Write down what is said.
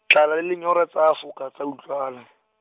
tlala le lenyora tsa foka tsa utlwala.